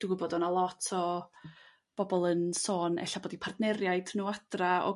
Dwi gw'bod o'n 'na lot o bobol yn sôn e'lla' bod 'u partneriaid nhw adra o